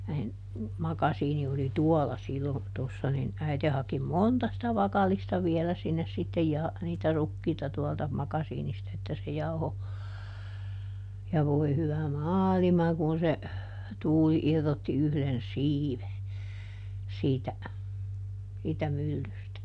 niin makasiini oli tuolla silloin tuossa niin äiti haki monta sitä vakallista vielä sinne sitten - niitä rukiita tuolta makasiinista että se jauhoi ja voi hyvä maailma kun se tuuli irrotti yhden siiven siitä siitä myllystä